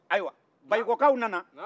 ayiwa bayiko kaw nana